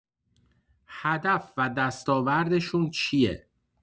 هدف و دستاوردشون چیه؟